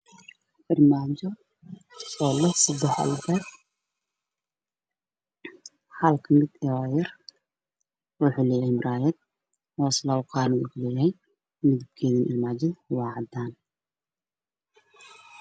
Armaajo leh saddex albaab